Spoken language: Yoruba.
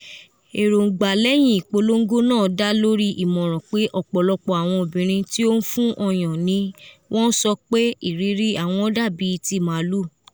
Erongba lẹhin ipolongo naa da lori imọran pe ọpọlọpọ awọn obirin tí ó ń fun ọyan ni wọn sọ pe ìrírí àwọn dàbí ti maalu.